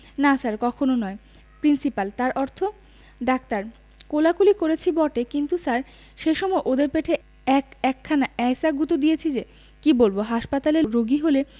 না স্যার কক্ষণো নয় প্রিন্সিপাল তার অর্থ ডাক্তার কোলাকুলি করেছি বটে কিন্তু স্যার সে সময় ওদের পেটে এক একখানা এ্যায়সা গুঁতো দিয়েছি যে কি বলব হাসপাতালের রোগী হলে